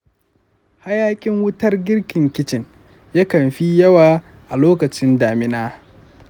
hayaƙin wutar girkin kicin yakan fi yawa a lokacin damina.